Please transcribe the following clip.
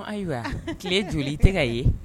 Ayiwa tile joli i tɛ ka yen